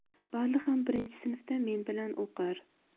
vali ham birinchi sinfda men bilan o'qir